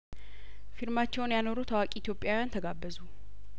ፊርማቸውን ያኖሩ ታዋቂ ኢትዮጵያውያን ተጋበዙ